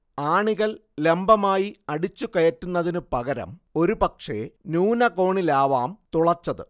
ആണികൾ ലംബമായി അടിച്ചുകയറ്റുന്നതിനു പകരം ഒരുപക്ഷേ ന്യൂനകോണിലാവാം തുളച്ചത്